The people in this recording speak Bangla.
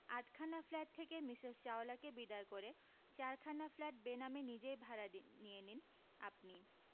আটখানা ফ্ল্যাট থেকে মিসেস চাওলাকে বিদায় করে চারখানা ফ্ল্যাট বেনামে নিজেই ভাড়া নিয়ে নিন আপনি